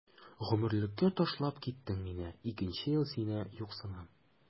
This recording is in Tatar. Гомерлеккә ташлап киттең мине, икенче ел сине юксынам.